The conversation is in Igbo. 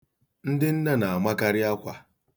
Ndị nne na-amakarị akwa.